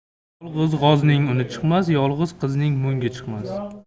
yolg'iz g'ozning uni chiqmas yolg'iz qizning mungi chiqmas